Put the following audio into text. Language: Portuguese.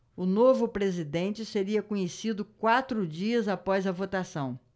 o novo presidente seria conhecido quatro dias após a votação